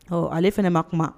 Ɔ ale fana ma kuma